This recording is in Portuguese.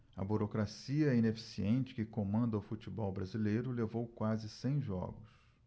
a burocracia ineficiente que comanda o futebol brasileiro levou quase cem jogos